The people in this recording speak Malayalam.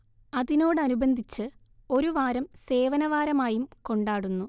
അതിനോടനുബന്ധിച്ച് ഒരു വാരം സേവനവാരമായും കൊണ്ടാടുന്നു